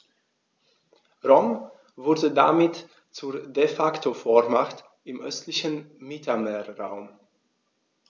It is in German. Rom wurde damit zur ‚De-Facto-Vormacht‘ im östlichen Mittelmeerraum.